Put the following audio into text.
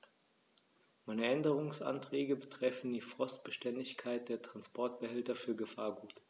Meine Änderungsanträge betreffen die Frostbeständigkeit der Transportbehälter für Gefahrgut.